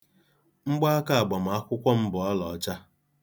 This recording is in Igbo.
Mgbaaka agbamakwụkwọ m bụ ọlọọcha.